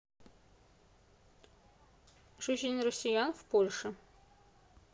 жизнь россиян в польше